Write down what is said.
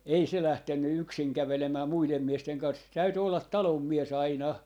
ei se lähtenyt yksin kävelemään muiden miesten kanssa se täytyi olla talon mies aina